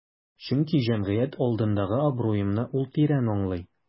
Чөнки җәмгыять алдындагы абруемны ул тирән аңлый.